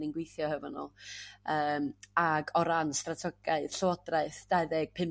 'da ni'n gweithio hefo n'w yym ag o ran stratogaeth Llywodraeth dau ddeg